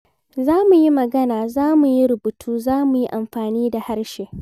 Za mu yi magana, za mu yi rubutu, za mu yi amfani da harshe.